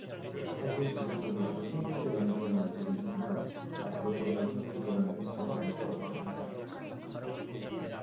사실 지금도 무척 힘들게 넘기는 날들이 있으며 앞으로 또 무슨 일이 일어날지도 알 수 없습니다